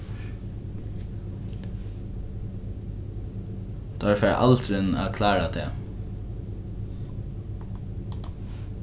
teir fara aldrin at klára tað